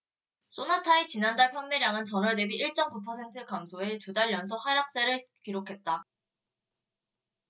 쏘나타의 지난달 판매량은 전월 대비 일 쩜 구 퍼센트 감소해 두 달 연속 하락세를 기록했다